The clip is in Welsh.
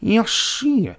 Iesu